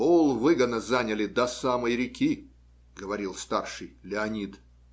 Полвыгона заняли, до самой реки, - говорил старший, Леонид.